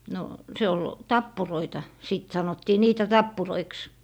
no se oli tappuroita sitten sanottiin niitä tappuroiksi